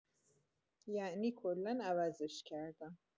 یعنی کلا عوضش کردم.